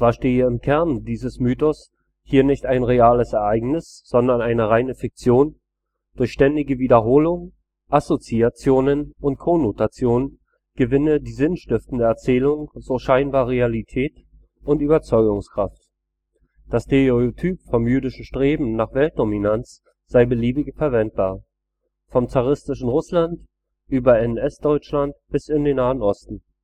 stehe im Kern dieses Mythos hier nicht ein reales Ereignis, sondern eine reine Fiktion, durch ständige Wiederholungen, Assoziationen und Konnotationen gewinne die sinnstiftende Erzählung so scheinbar Realität und Überzeugungskraft. Das Stereotyp vom jüdischen Streben nach Weltdominanz sei beliebig verwendbar, vom zaristischen Russland über NS-Deutschland bis in den Nahen Osten